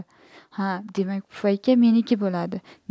ha demak pufayka meniki bo'ladi